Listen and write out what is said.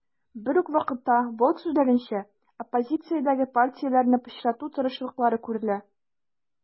Берүк вакытта, Волк сүзләренчә, оппозициядәге партияләрне пычрату тырышлыклары күрелә.